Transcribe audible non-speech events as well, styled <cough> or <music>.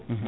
<hesitation> <hesitation>